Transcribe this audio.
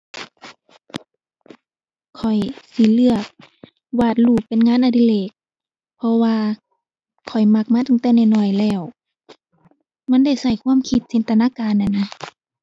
ข้อยสิเลือกวาดรูป เป็นงานอดิเรก เพราะว่าข้อยมักมาตั้งแต่น้อยน้อยแล้ว มันได้ใช้ความคิดจินตนาการนั่นนะ